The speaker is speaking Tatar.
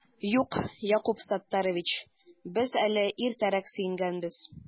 Юк, Якуб Саттарич, без әле иртәрәк сөенгәнбез